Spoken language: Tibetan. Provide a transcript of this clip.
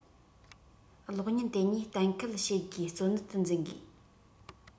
གློག བརྙན དེ གཉིས གཏན འཁེལ བྱེད དགོས གཙོ གནད དུ འཛིན དགོས